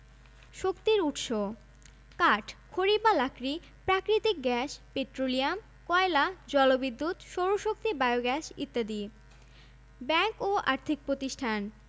রাষ্ট্রায়ত্ত বাণিজ্যিক ব্যাংক এবং উন্নয়ন কর্মকান্ডে নিয়োজিত বিশেষ ধরনের ব্যাংকগুলোই মূলত দেশের ব্যাংকিং ব্যবস্থাকে নিয়ন্ত্রণ করে থাকে বাংলাদেশে প্রায় এক লক্ষ পয়তাল্লিশ হাজার সমবায় সমিতি রয়েছে